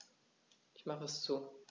Ich mache es zu.